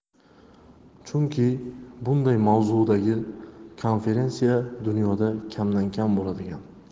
chunki bunday mavzudagi konferensiya dunyoda kamdan kam bo'ladigan